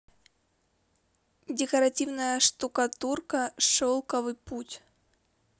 декоративная штукатурка шелковый путь